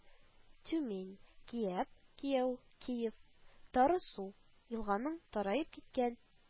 Тюмень); Кияб – Кияү (Киев); Тары су (елганың тараеп киткән